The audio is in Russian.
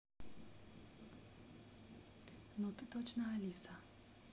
ну ты точно алиса